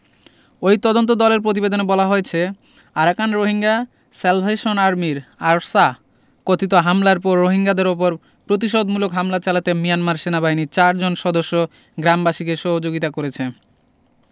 ওই তদন্তদলের প্রতিবেদনে বলা হয়েছে আরাকান রোহিঙ্গা স্যালভেশন আর্মির আরসা কথিত হামলার পর রোহিঙ্গাদের ওপর প্রতিশোধমূলক হামলা চালাতে মিয়ানমার সেনাবাহিনীর চারজন সদস্য গ্রামবাসীকে সহযোগিতা করেছে